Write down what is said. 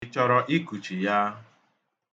Ì chọrọ ikuchi ya?